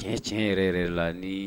Tiɲɛ tiɲɛ yɛrɛ yɛrɛ la ni